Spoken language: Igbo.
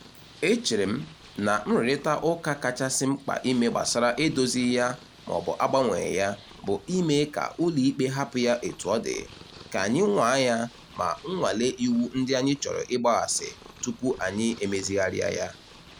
E chere m na nrụrịtaụka kachasị mkpa ime gbasara edozighị ya maọbụ agbanweghị ya bụ ị mee ka ụlọikpe hapụ ya etu ọ dị, ka anyị nwa ya ma nnwale iwu ndị anyị chọrọ ịgbaghasị, tupu anyị emezigharị ya.